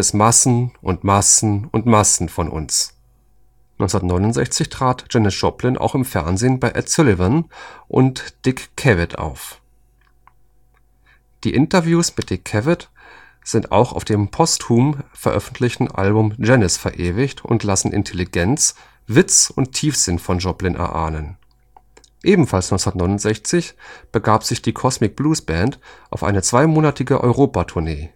Massen und Massen und Massen von uns. “1969 trat Janis Joplin auch im Fernsehen bei Ed Sullivan und Dick Cavett auf. Die Interviews mit Dick Cavett sind auf dem postum veröffentlichten Album „ Janis “verewigt und lassen Intelligenz, Witz und Tiefsinn von Joplin erahnen. Ebenfalls 1969 begab sich die Kozmic Blues Band auf eine zweimonatige Europa-Tournee